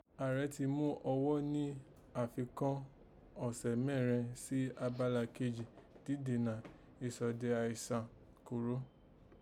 Ààrẹ tí mú ọ́ghọ́ ní àfikọ́n ọ̀sẹ̀ mẹ́ẹ̀rẹn sí abala kéjì dídènà ìsóde àìsàn kòró